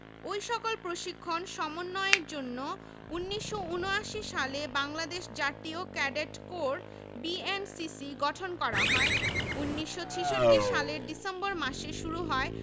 ওই সকল প্রশিক্ষণ সমন্বয়ের জন্য ১৯৭৯ সালে বাংলাদেশ জাতীয় ক্যাডেট কোর বিএনসিসি গঠন করা হয় ১৯৬৬ সালের ডিসেম্বর মাসে শুরু হয়